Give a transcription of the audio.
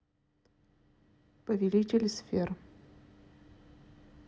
повелители сфер